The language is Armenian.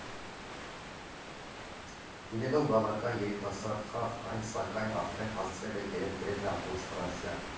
Լինելով բավական երիտասարդ խաղ, այն սակայն արդեն հասցրել է գերել գրեթե ամբողջ Ֆրանսիան։